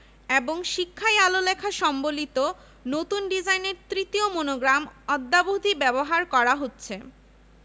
উপাচার্য কোর্টকে জানান যে শিক্ষামন্ত্রী বিশ্ববিদ্যালয়কে বাৎসরিক ব্যয় সংকুচিত করে পাঁচ লক্ষ টাকার মধ্যে সীমিত রাখতে বলেছেন ইসলামিক স্টাডিজ ইংরেজি